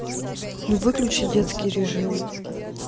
ну выключи детский режим